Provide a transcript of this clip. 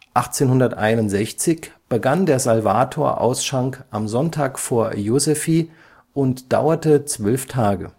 1861 begann der Salvator-Ausschank am Sonntag vor Josefi und dauerte zwölf Tage